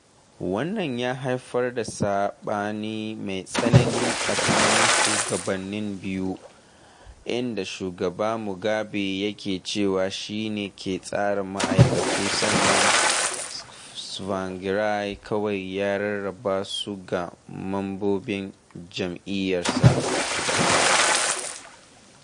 Wannan ya haifar da saɓani mai tsanani tsakanin shugabannin biyu, inda shugaba Mugabe yake cewa shi ne ke tsara ma'aikatu sannan Tsvangirai kawai ya rarraba su ga mambobin jam'iyyarsa.